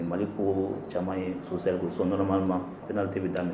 Mali ko caman ye sosɛri ko sodama ma pti tɛ bɛ dan